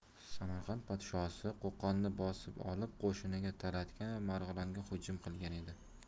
samarqand podshosi qo'qonni bosib olib qo'shiniga talatgan va marg'ilonga hujum qilgan edi